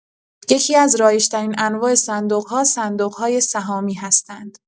یکی‌از رایج‌ترین انواع صندوق‌ها صندوق‌های سهامی هستند.